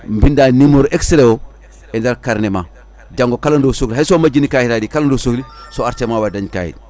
binda numéro extrait o e nder carnat ma janggo kalade o sohli hay so majjini kayitaji kalado sohli so artema o wawi dañde kayit